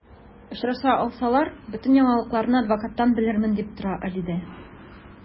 Очраша алсалар, бөтен яңалыкларны адвокаттан белермен дип торам, ди Алидә.